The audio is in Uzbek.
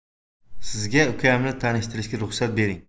sizga ukamni tanishtirishga ruxsat bering